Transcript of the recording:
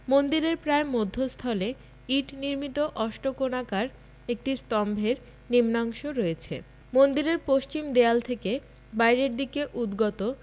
মন্দিরের প্রায় মধ্যস্থলে ইট নির্মিত অষ্টকোণাকার একটি স্তম্ভের নিম্নাংশ রয়েছে মন্দিরের পশ্চিম দেয়াল থেকে বাইরের দিকে উদগত